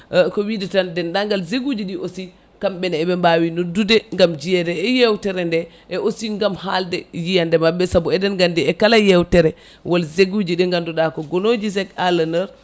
ko wiide tan dnedagal zeg uji ɗi aussi kamɓene eɓe mawi noddude gaam jeeyede e yewtere nde e ausi gaam haalde yiyande mabɓe saabu eɗene gandi e kala yewtere woon zeg uji ɗi ganduɗa ko gonoji zeg à l' honneur